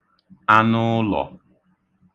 anụụlọ̀